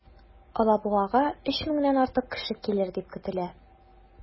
Алабугага 3 меңнән артык кеше килер дип көтелә.